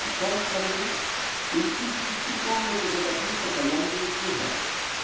А сам -- ко мне и чуть не всю комнату затопил покаянными слезами.